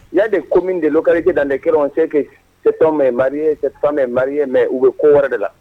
Y'a de ko min de kage dankɛ seke se mɛn mariye mɛn mariye mɛn u bɛ ko wɛrɛ de la